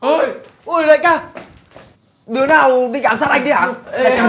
ôi ôi đại ca đứa nào định ám sát anh đấy hả